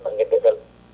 banggue deesal